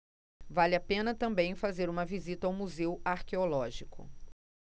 vale a pena também fazer uma visita ao museu arqueológico